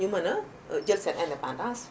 ñu mën a jël seen indépendance